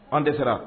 An tɛ sera